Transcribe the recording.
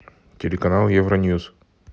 телеканал евроньюс